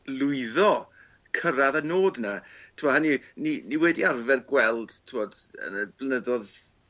lwyddo cyrradd y nod 'na t'wo' anyway ni ni wedi arfer gweld t'bod yn y blynyddodd